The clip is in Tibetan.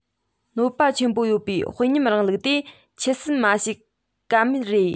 གནོད པ ཆེན པོ ཡོད པའི དཔོན ཉམས རིང ལུགས དེ ཁྱད བསད མ བྱས ཀ མེད རེད